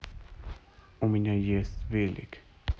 у меня есть велик